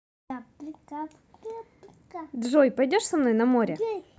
джой пойдешь со мной на море